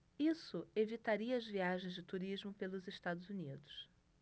isso evitaria as viagens de turismo pelos estados unidos